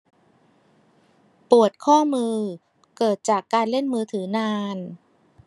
ปวดข้อมือเกิดจากการเล่นมือถือนาน